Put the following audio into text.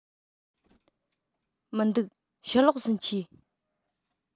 ཁྱོད ཀྱིས འོ མ ཉོ གི ཡོད དམ